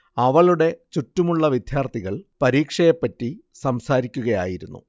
അവളുടെ ചുറ്റുമുള്ള വിദ്യാർത്ഥികൾ പരീക്ഷയെ പറ്റി സംസാരിക്കുകയായിരുന്നു